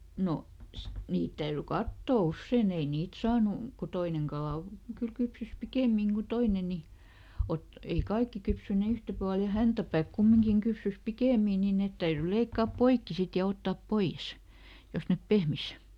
no niitä täytyi katsoa usein ei niitä saanut kun toinen kala on kyllä kypsyi pikemmin kuin toinen niin - ei kaikki kypsyneet yhtä paljon ja häntäpää kumminkin kypsyi pikemmin niin ne täytyi leikata poikki sitten ja ottaa pois jos ne pehmeni